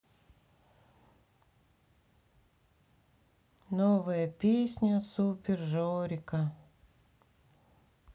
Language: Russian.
новая песня супер жорика